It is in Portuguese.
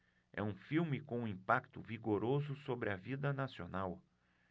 é um filme com um impacto vigoroso sobre a vida nacional